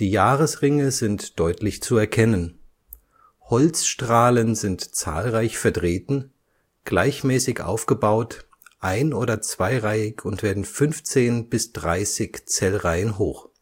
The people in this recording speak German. Jahresringe sind deutlich zu erkennen. Holzstrahlen sind zahlreich vertreten, gleichmäßig aufgebaut, ein - oder zweireihig und werden 15 bis 30 Zellreihen hoch